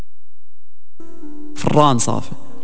فرنسا في